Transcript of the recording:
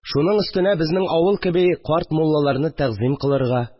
Шуның өстенә, безнең авыл кеби, карт муллаларны тәгъзыйм кылырга